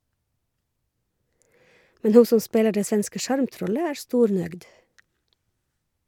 Men ho som spelar det svenske sjarmtrollet er stornøgd.